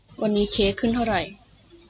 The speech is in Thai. วันนี้เค้กขึ้นเท่าไหร่